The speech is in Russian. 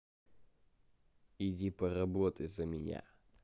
иди поработай за меня